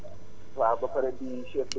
très bien Mouhamadou Makhtar